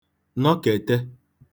nọkète